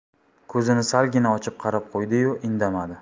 ko'zini salgina ochib qarab qo'ydi yu indamadi